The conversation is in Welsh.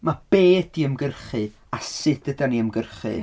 Ma' be ydy ymgyrchu a sut ydan ni'n ymgyrchu...